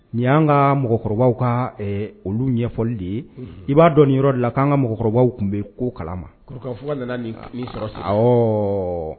Ni y' an ka mɔgɔkɔrɔbaw ka olu ɲɛfɔli de ye i b'a dɔn nin yɔrɔ la k'an ka mɔgɔkɔrɔbaw tun bɛ ko kalama